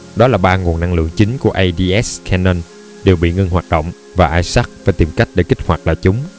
đó là ba nguồn năng lượng chính của ads cannon đều bị ngưng hoạt động và isaac phải tìm cách để kích hoạt lại chúng